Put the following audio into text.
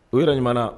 O yɛrɛɲuman